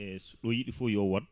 ey so ɗo yiiɗi foof yo woon